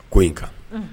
Ko in kan unhun